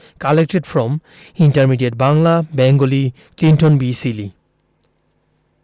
collected from intermediate Bangla Bengali Clinton B Seely